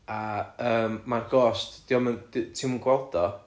a yym ma'r ghost diom yn... d- ti'm yn gweld o